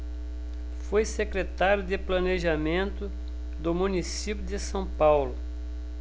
foi secretário de planejamento do município de são paulo